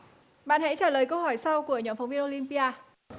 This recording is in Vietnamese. bạn hãy trả lời câu hỏi sau của nhóm phóng viên ô lim pi a